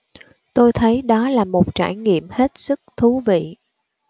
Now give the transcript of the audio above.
tôi thấy đó là một trải nghiệm hết sức thú vị